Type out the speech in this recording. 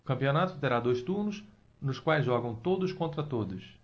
o campeonato terá dois turnos nos quais jogam todos contra todos